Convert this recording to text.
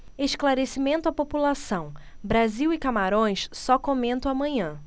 esclarecimento à população brasil e camarões só comento amanhã